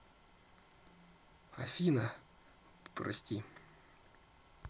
афина прости